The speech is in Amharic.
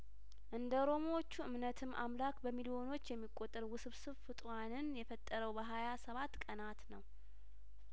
እንደ ኦሮሞዎቹ እምነትም አምላክ በሚሊዮኖች የሚቆጠር ውስብስብ ፍጡራንን የፈጠረው በሀያሰባት ቀናት ነው